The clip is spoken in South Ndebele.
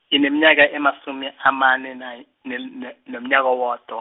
ngineminyaka emasumi amane na-, ne- ne- neminyaka owodwo-.